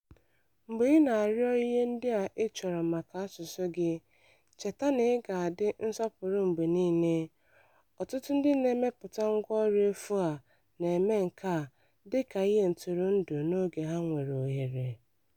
Mgbe ị na-arịọ ihe ndị ị chọrọ maka asụsụ gị, cheta na ị ga-adị nsọpụrụ mgbe niile —ọtụtụ ndị na-emepụta ngwanro efu a na-eme nke a dịka ihe ntụrụndụ n'oge ha nwere ohere.